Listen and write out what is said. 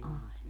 ai